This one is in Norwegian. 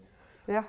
ja.